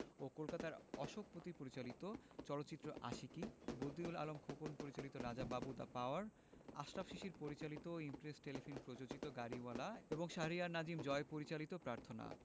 ও কলকাতার অশোক পাতি পরিচালিত চলচ্চিত্র আশিকী বদিউল আলম খোকন পরিচালিত রাজা বাবু দ্যা পাওয়ার আশরাফ শিশির পরিচালিত ইমপ্রেস টেলিফিল্ম প্রযোজিত গাড়িওয়ালা এবং শাহরিয়ার নাজিম জয় পরিচালিত প্রার্থনা